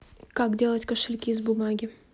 как делать кошельки из бумаги